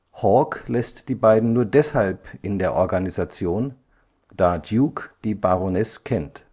Hawk lässt die beiden nur deshalb in der Organisation, da Duke die Baroness kennt